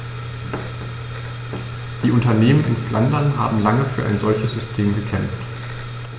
Die Unternehmen in Flandern haben lange für ein solches System gekämpft.